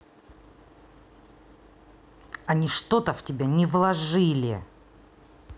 они что то в тебя не вложили